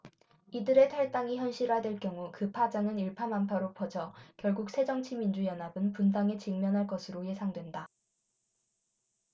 이들의 탈당이 현실화 될 경우 그 파장은 일파만파로 번져 결국 새정치민주연합은 분당에 직면할 것으로 예상된다